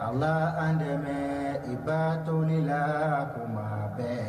A la an dɛmɛ i ba dɔɔninni la ko ma bɛɛ